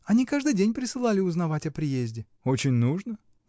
— Они каждый день присылали узнавать о приезде. — Очень нужно!